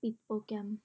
ปิดโปรแกรม